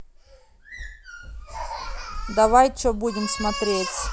давай че будем смотреть